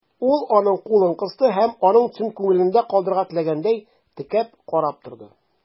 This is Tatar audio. Ул аның кулын кысты һәм, аның төсен күңелендә калдырырга теләгәндәй, текәп карап торды.